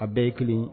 A bɛɛ kelen